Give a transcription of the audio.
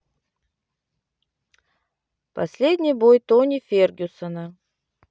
последний бой тони фергюсона